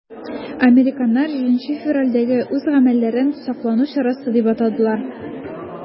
Американнар 7 февральдәге үз гамәлләрен саклану чарасы дип атадылар.